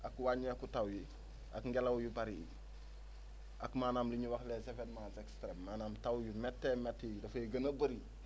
ak wàññeeku taw yi ak ngelaw yu bëri yi ak maanaam lu ñuy wax les événements extrèmes maanaam taw yu méttee métti yi dafay gën a bëri